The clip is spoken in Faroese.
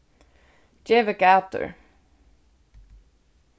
gevið gætur